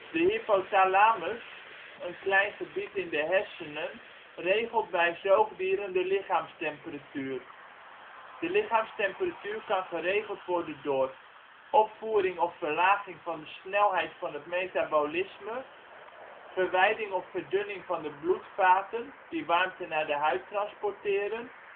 De hypothalamus, een klein gebied in de hersenen, regelt bij zoogdieren de lichaamstemperatuur. De lichaamstemperatuur kan geregeld worden door: opvoering/verlaging van de snelheid van het metabolisme, verwijding/verdunning van de bloedvaten (die warmte naar de huid transporteren